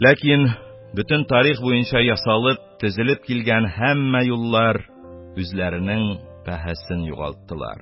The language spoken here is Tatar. Ләкин бөтен тарих буенча ясалып, төзелеп килгән һәммә юллар үзләренең бәһасын югалталар.